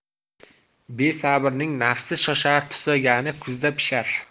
besabrning nafsi shoshar tusagani kuzda pishar